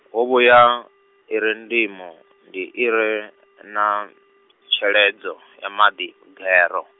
hu vhuya, i re ndimo, ndi i re na, tsheledzo, ya maḓi, migero.